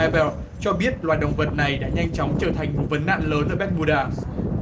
e beo cho biết loài động vật này đã nhanh chóng trở thành một vấn nạn lớn ở béc mu đa